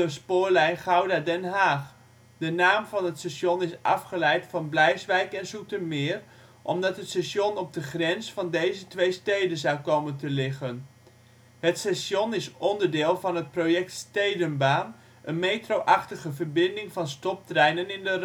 spoorlijn Gouda - Den Haag. De naam van het station is afgeleid van Bleiswijk en Zoetermeer, omdat het station op de grens van deze twee steden zou komen te liggen. Het station is onderdeel van het project Stedenbaan, een metroachtige verbinding van stoptreinen in de